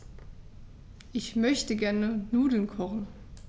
Ich möchte gerne Nudeln kochen.